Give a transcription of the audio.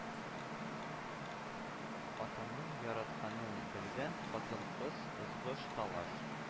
Атаның яратканын белгән хатын-кыз ызгыш-талаш